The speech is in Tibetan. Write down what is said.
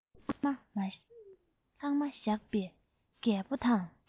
ལྷག མ བཞག པས རྒད པོ དང